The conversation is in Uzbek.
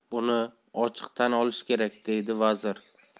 buni ochiq tan olish kerak deydi vazir